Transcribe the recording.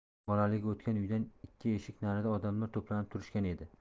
bolaligi o'tgan uydan ikki eshik narida odamlar to'planib turishgan edi